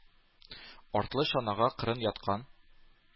Артлы чанага кырын яткан,